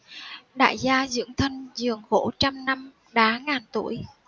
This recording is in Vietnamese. đại gia dưỡng thân giường gỗ trăm năm đá ngàn tuổi